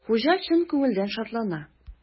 Хуҗа чын күңелдән шатлана.